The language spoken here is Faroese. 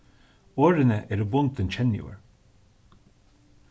orðini eru bundin kenniorð